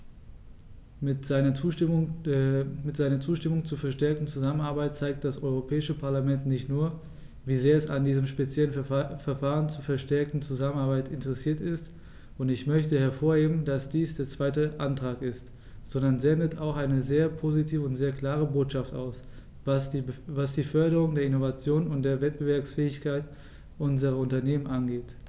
Mit seiner Zustimmung zur verstärkten Zusammenarbeit zeigt das Europäische Parlament nicht nur, wie sehr es an diesem speziellen Verfahren zur verstärkten Zusammenarbeit interessiert ist - und ich möchte hervorheben, dass dies der zweite Antrag ist -, sondern sendet auch eine sehr positive und sehr klare Botschaft aus, was die Förderung der Innovation und der Wettbewerbsfähigkeit unserer Unternehmen angeht.